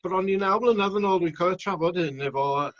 bron i naw mlynadd yn ôl dwi'n cofio trafod 'yn efo